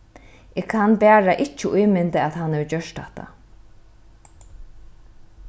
eg kann bara ikki ímynda at hann hevur gjørt hatta